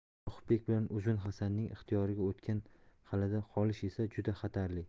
yoqubbek bilan uzun hasanning ixtiyoriga o'tgan qalada qolish esa juda xatarli